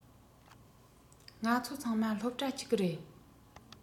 ང ཚོ ཚང མ སློབ གྲྭ གཅིག གི རེད